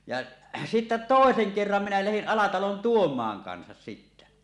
ja sitten toisen kerran minä lähdin Alatalon Tuomaan kanssa sitten